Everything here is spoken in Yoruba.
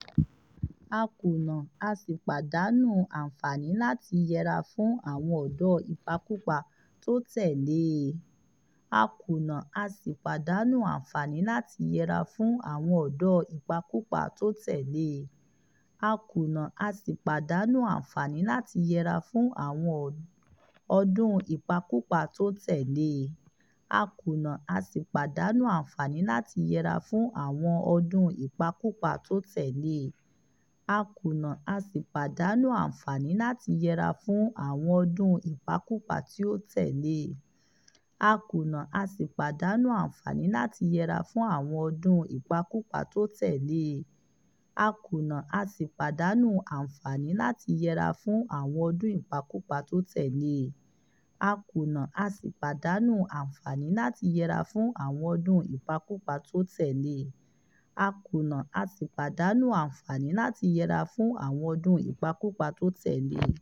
A kùnà, a sì pàdánù àǹfààní láti yẹra fún àwọn ọdún ìpakúpa tó tẹ̀ lé e.